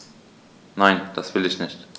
Nein, das will ich nicht.